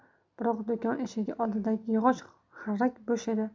biroq do'kon eshigi oldidagi yog'och xarrak bo'sh edi